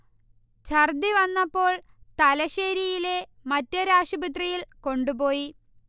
ഛർദി വന്നപ്പോൾ തലശേരിയിലെ മറ്റൊരു ആശുപത്രിയിൽ കൊണ്ടുപോയി